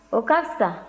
o ka fisa